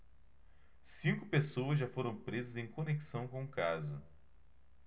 cinco pessoas já foram presas em conexão com o caso